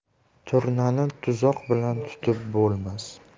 turnani tuzoq bilan tutib bo'lmas